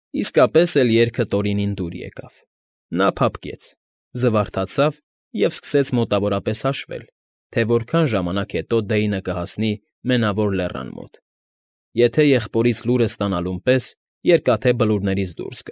Իսկապես էլ երգը Տորինին դուր եկավ, նա փափկեց, զվարթացավ և սկսեց մոտավորապես հաշվել, թե որքան ժամանակ հետո Դեյնը կհասնի Մենավոր Լեռան մոտ, եթե եղբորից լուրն ստանալուն պես Երկաթե Բլուրներից դուրս։